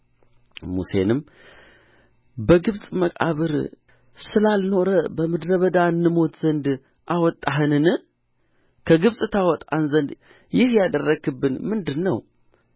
ሙሴንም በግብፅ መቃብር ስላልኖረ በምድረ በዳ እንሞት ዘንድ አወጣኸንን ከግብፅ ታወጣን ዘንድ ይህ ያደረግህብን ምንድር ነው